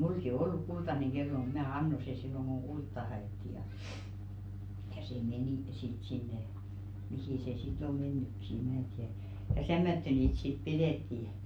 minullakin on ollut kultainen kello mutta minä annoin se silloin kun kultaa haettiin ja ja se meni sitten sinne mihin se sitten on mennytkin ei minä tiedä ja tämmöttöön niitä sitten pidettiin